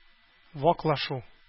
Ваклашу